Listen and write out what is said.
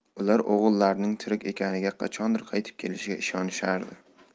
ular o'g'illarining tirik ekaniga qachondir qaytib kelishiga ishonishardi